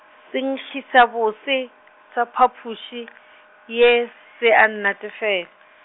senkgišabose, sa phapoši, ye se a nnatefela.